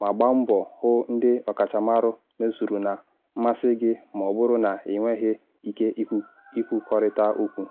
ma gbaa mbọ hụ ndị ọkachamara mezuru na mmasị gị ma ọ bụrụ na ị nweghị ike ikwukọrịta okwu.